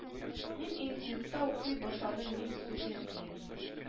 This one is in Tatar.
Мин институтта укый башладым мин студент дигән